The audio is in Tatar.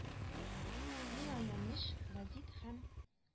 Ни аяныч, гәзит һәм